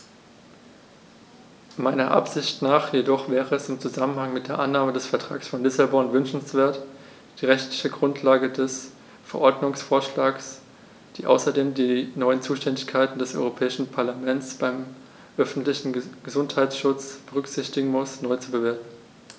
Meiner Ansicht nach jedoch wäre es im Zusammenhang mit der Annahme des Vertrags von Lissabon wünschenswert, die rechtliche Grundlage des Verordnungsvorschlags, die außerdem die neuen Zuständigkeiten des Europäischen Parlaments beim öffentlichen Gesundheitsschutz berücksichtigen muss, neu zu bewerten.